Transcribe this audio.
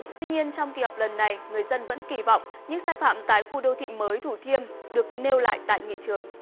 tuy nhiên trong kỳ họp lần này người dân vẫn kỳ vọng những sai phạm tại khu đô thị mới thủ thiêm được nêu lại tại nghị trường